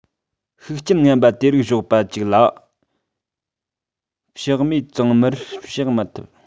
ཤུགས རྐྱེན ངན པ དེ རིགས ཞོགས པ གཅིག ལ ཕྱགས མས གཙང མར ཕྱགས མི ཐུབ